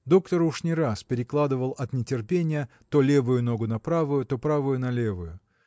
Доктор уж не раз перекладывал от нетерпения то левую ногу на правую то правую на левую.